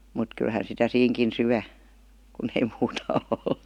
mutta kyllähän sitä siinäkin syö kun ei muuta ole